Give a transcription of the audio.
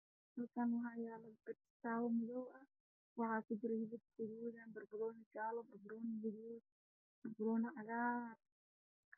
Halkan waxa yaalo barbarooni jaalo, barbarooni guduud iyo barbarooni cagaar